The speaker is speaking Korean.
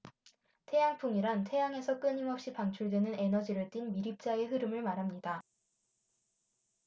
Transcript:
태양풍이란 태양에서 끊임없이 방출되는 에너지를 띤 미립자의 흐름을 말합니다